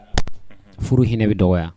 Furu hinɛ bɛ dɔgɔ yan